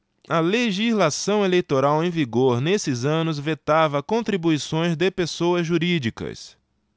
a legislação eleitoral em vigor nesses anos vetava contribuições de pessoas jurídicas